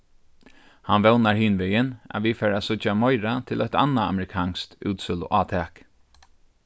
hann vónar hinvegin at vit fara at síggja meira til eitt annað amerikanskt útsøluátak